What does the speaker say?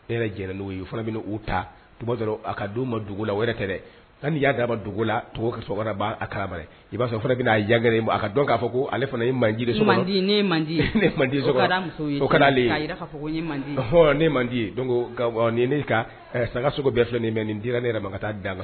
Ne o fana ta a ka la wɛrɛ y'a di a ma la kara i b'a sɔrɔ'a dɔn k'a fɔ ko ale fana man man man saga sokɛ bɛɛ filɛ nin nin ne yɛrɛ makan ka taa da la